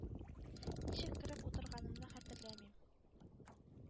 Ничек кереп утырганымны хәтерләмим.